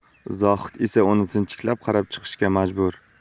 zohid esa uni sinchiklab qarab chiqishga majbur